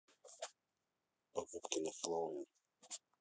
покупки на хэллоуин